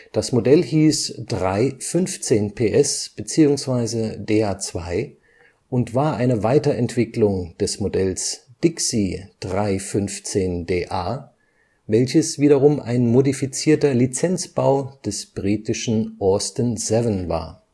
Das Modell hieß 3/15 PS bzw. DA 2 und war eine Weiterentwicklung des Modells Dixi 3/15 DA, welches wiederum ein modifizierter Lizenzbau des britischen Austin Seven war